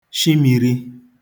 shi mīrī